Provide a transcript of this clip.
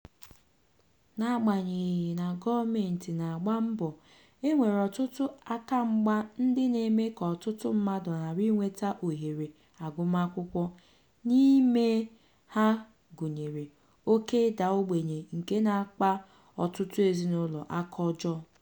N'agbanyeghị na gọọmenti na-agba mbọ, e nwere ọtụtụ akamgba ndị na-eme ka ọtụtụ mmadụ ghara inweta ohere agụmakwụkwọ, n'ime ha gụnyere oké ịda ogbenye nke na-akpa ọtụtụ ezinaụlọ aka ọjọọ.